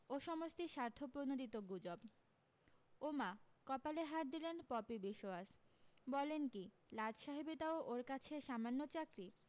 ও সমস্তি স্বার্থপ্রণোদিত গুজব ওমা কপালে হাত দিলেন পপি বিশোয়াস বলেন কী লাটসাহেবীটাও ওর কাছে সামান্য চাকরী